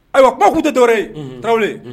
Ayiwa kuma'u tɛ dɔwɛrɛ ye tarawele